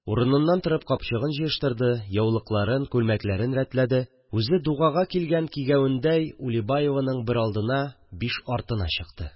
Урыныннан торып капчыгын җыештырды, яулыкларын, күлмәкләрен рәтләде, үзе дугага килгән кигәвендәй Улибаеваның бер алдына, биш артына чыкты